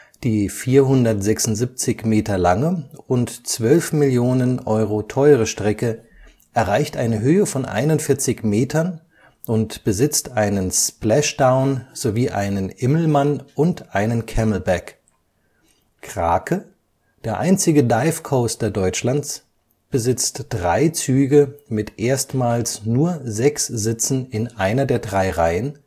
Die 476 m lange und 12 Millionen Euro teure Strecke erreicht eine Höhe von 41 m und besitzt einen Splashdown sowie einen Immelmann und einen Camelback. Krake, der einzige Dive Coaster Deutschlands, besitzt drei Züge mit erstmals nur sechs Sitzen in einer der drei Reihen